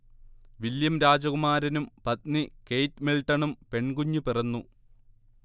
William രാജകുമാരനും പത്നി Kate മിൽടണും പെൺകുഞ്ഞ് പിറന്നു